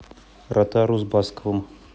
ротару с басковым